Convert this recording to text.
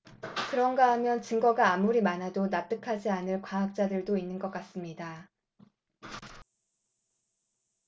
그런가 하면 증거가 아무리 많아도 납득하지 않을 과학자들도 있는 것 같습니다